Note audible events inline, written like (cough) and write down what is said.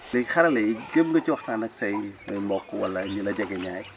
léegi xarale yi (noise) jéem nga ci waxtaan ak say say mbokk wala ñi la jegeñaay (noise)